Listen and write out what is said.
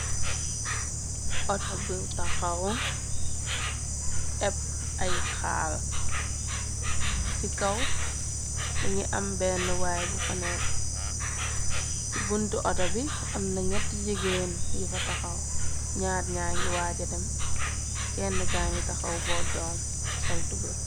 Ato bu taxaw épp ay xaal ci kaw mi ngi am benn waay bu fa nekk ci bunt oto bi am na ñett jegeen yu fa taxaw ñaar ña ngi waaja dem kenn ka ngi taxaw boo doom sol tube.